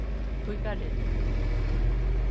píkarill